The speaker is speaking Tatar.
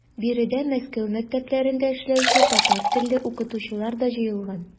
Биредә Мәскәү мәктәпләрендә эшләүче татар телле укытучылар да җыелган.